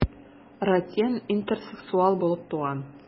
Ратьен интерсексуал булып туган.